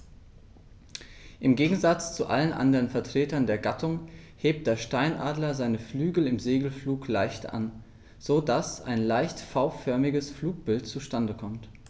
Im Gegensatz zu allen anderen Vertretern der Gattung hebt der Steinadler seine Flügel im Segelflug leicht an, so dass ein leicht V-förmiges Flugbild zustande kommt.